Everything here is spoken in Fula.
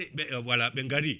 e ɓe voilà ɓe gari